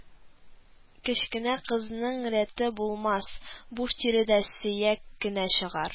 Кечкенә кызның рәте булмас, буш тире дә сөяк кенә чыгар